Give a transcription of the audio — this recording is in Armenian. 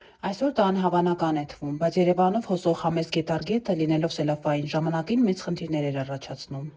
Այսօր դա անհավանական է թվում, բայց Երևանով հոսող համեստ Գետառ գետը՝ լինելով սելավային, ժամանակին մեծ խնդիրներ էր առաջացնում։